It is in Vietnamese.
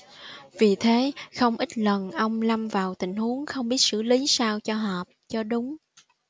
vì thế không ít lần ông lâm vào tình huống không biết xử lý sao cho hợp cho đúng